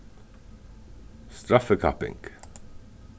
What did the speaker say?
straffikapping